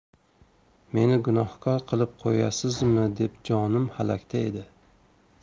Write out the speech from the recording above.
meni gunohkor qilib qo'yasizmi deb jonim halakda edi